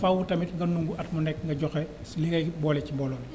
faaw tamit nga nangu at mu nekk nga joxe si li ngay boole ci mbooloo mi